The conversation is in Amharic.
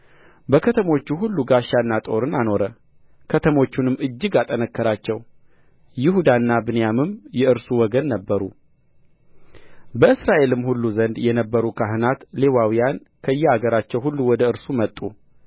በከተሞቹ ሁሉ ጋሻና ጦርን አኖረ ከተሞቹንም እጅግ አጠነከራቸው ይሁዳና ብንያምም የእርሱ ወገን ነበሩ በእስራኤልም ሁሉ ዘንድ የነበሩ ካህናትና ሌዋውያን ከየአገራቸው ሁሉ ወደ እርሱ መጡ